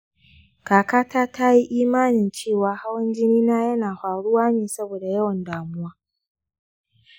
kakata ta ta yi imanin cewa hawan jinina yana faruwa ne saboda yawan damuwa.